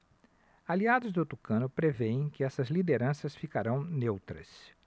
aliados do tucano prevêem que essas lideranças ficarão neutras